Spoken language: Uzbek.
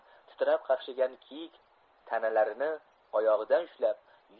titrab qaqshagan kiyik tanalarini oyog'idan ushlab